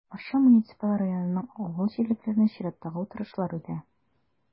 Арча муниципаль районының авыл җирлекләрендә чираттагы утырышлар үтә.